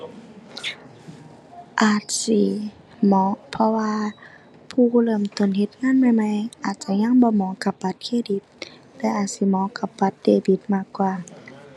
อาจสิเหมาะ เพราะว่าผู้เริ่มต้นเฮ็ดงานใหม่ใหม่อาจจะยังบ่เหมาะกับบัตรเครดิต แต่อาจสิเหมาะกับบัตรเดบิตมากกว่า